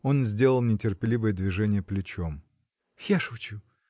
Он сделал нетерпеливое движение плечом. — Я шучу!